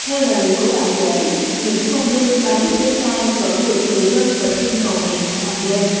theo lời của bà dễ những vong linh ba chúc đến nay vẫn được người dân đọc kinh cầu nguyện hàng đêm